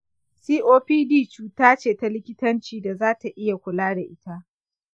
copd cuta ce ta likitanci da zata iya kula da ita.